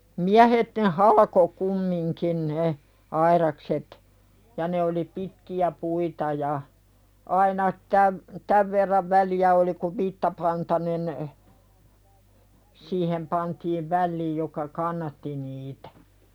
miehet ne halkoi kumminkin ne aidakset ja ne oli pitkiä puita ja aina tämän tämän verran väliä oli kun vitsapantanen siihen pantiin väliin joka kannatti niitä